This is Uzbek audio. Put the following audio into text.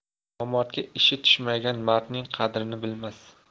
nomardga ishi tushmagan mardning qadrini bilmas